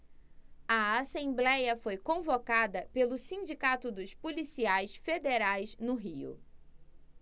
a assembléia foi convocada pelo sindicato dos policiais federais no rio